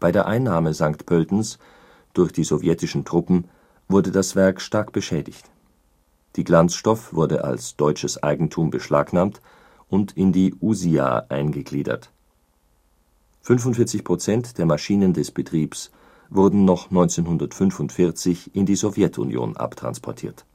der Einnahme St. Pöltens durch die sowjetischen Truppen wurde das Werk stark beschädigt. Die Glanzstoff wurde als Deutsches Eigentum beschlagnahmt und in die USIA eingegliedert, 45 % der Maschinen des Betriebes wurden noch 1945 in die Sowjetunion abtransportiert